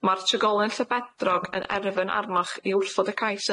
Ma'r trigolen Llefedrog yn erfyn arnoch i wrthod y cais